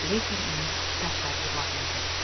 lekin uni tashlab yubormadi